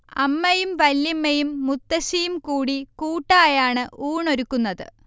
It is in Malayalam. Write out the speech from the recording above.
അമ്മയും വല്യമ്മയും മുത്തശ്ശിയും കൂടി കൂട്ടായാണ് ഊണൊരുക്കുന്നത്